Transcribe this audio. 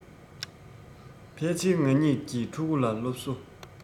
ཕལ ཕྱིར ང གཉིས ཀྱི ཕྲུ གུ ལ སློབ གསོ